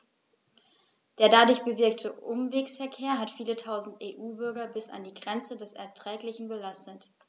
Der dadurch bewirkte Umwegsverkehr hat viele Tausend EU-Bürger bis an die Grenze des Erträglichen belastet.